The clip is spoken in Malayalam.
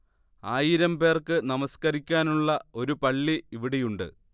ആയിരം പേർക്ക് നമസ്കരിക്കാനുള്ള ഒരു പള്ളി ഇവിടെയുണ്ട്